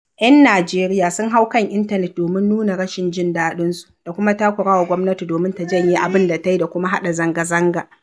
Yan Najeriya sun hau kan intanet domin nuna rashin jin daɗinsu, da kuma takurawa gwamnati domin ta janye abin da ta yi da kuma haɗa zanga-zanga: